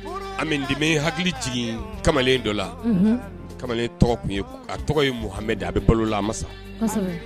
An bɛ di hakili jigin kamalen dɔ la kamalen tɔgɔ tun a tɔgɔ ye muhami a bɛ balo a ma sa